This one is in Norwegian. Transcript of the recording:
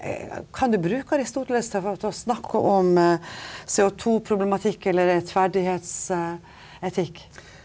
kan du bruke Aristoteles til til å snakke om CO2-problematikk eller rettferdighetsetikk?